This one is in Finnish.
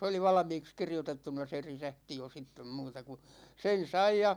se oli valmiiksi kirjoitettuna se resepti jo sitten muuta kuin sen sai ja